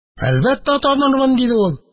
Әлбәттә, танырмын, – диде ул